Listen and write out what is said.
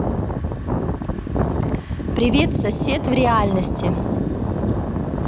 привет сосед в реальности